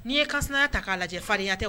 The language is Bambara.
N'i ye Kansinaya ta k'a lajɛ fadenya tɛ.